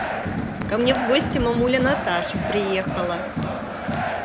ко мне в гости мамуля наташа приехала